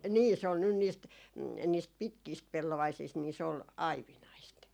niin se on nyt niistä niistä pitkistä pellovaisista niin se oli aivinaista